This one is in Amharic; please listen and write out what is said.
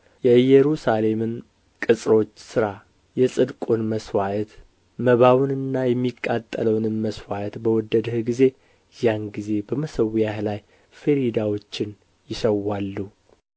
የኢየሩሳሌምንም ቅጽሮች ሥራ የጽድቁን መሥዋዕት መባውንም የሚቃጠለውንም መሥዋዕት በወደድህ ጊዜ ያን ጊዜ በመሠዊያህ ላይ ፍሪዳዎችን ይሠዋሉ